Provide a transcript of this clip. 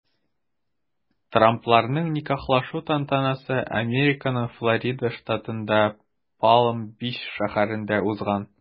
Трампларның никахлашу тантанасы Американың Флорида штатында Палм-Бич шәһәрендә узган.